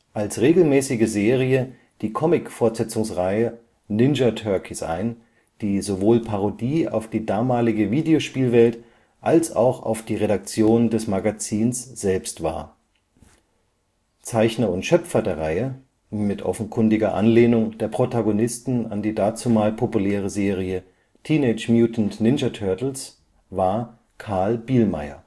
als regelmäßiges Serie die Comic-Fortsetzungsreihe „ Ninja Turkeys “(Unter den offiziellen Titeln „ Modul “und „ Return to Modul “) ein, die sowohl Parodie auf die damalige Videospielwelt als auch auf die Redaktion des Magazins selbst war. Zeichner und Schöpfer der Reihe (mit offenkundiger Anlehnung der Protagonisten an die dazumal populäre Serie Teenage Mutant Ninja Turtles) dieser Schwarzweißillustrationen war Karl Bihlmeier